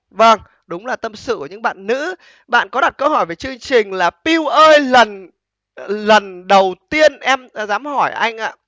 vâng đúng là tâm sự của những bạn nữ bạn có đặt câu hỏi về chương trình là piu ơi lần lần đầu tiên em dám hỏi anh ạ